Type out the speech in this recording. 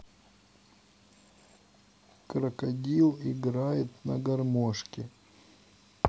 крокодил играет на гармошке